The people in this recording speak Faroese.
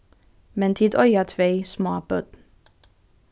men tit eiga tvey smá børn